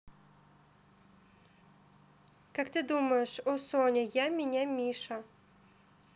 как ты думаешь о соня я меня миша